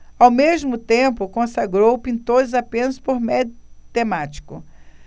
ao mesmo tempo consagrou pintores apenas por mérito temático